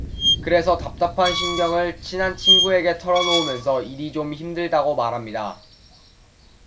그래서 답답한 심정을 친한 친구에게 털어놓으면서 일이 좀 힘들다고 말합니다